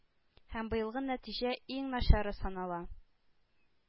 Һәм быелгы нәтиҗә иң начары санала.